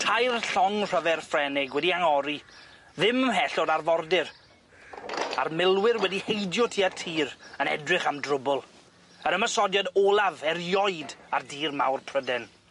Tair llong rhyfer Ffrenig wedi angori ddim ymhell o'r arfordir, a'r milwyr wedi heidio tua tir yn edrych am drwbwl, yr ymosodiad olaf erioed ar dir mawr Pryden.